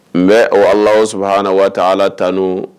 N bɛ o Alahu subahana watala tanu.